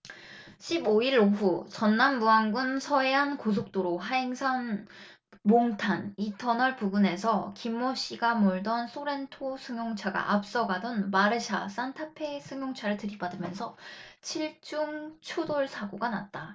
십 오 일 오후 전남 무안군 서해안고속도로 하행선 몽탄 이 터널 부근에서 김모씨가 몰던 쏘렌토 승용차가 앞서 가던 마르샤 싼타페 승용차를 들이받으면서 칠 중 추돌사고가 났다